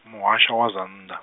muhasho wa zwa nnḓa.